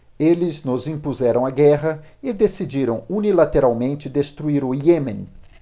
eles nos impuseram a guerra e decidiram unilateralmente destruir o iêmen